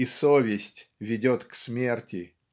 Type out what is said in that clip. и совесть ведет к смерти.